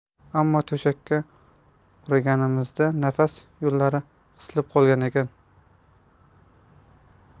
ammo to'shakka o'raganimizda nafas yo'llari qisilib qolgan ekan